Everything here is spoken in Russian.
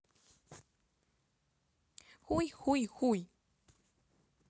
хуй хуй хуй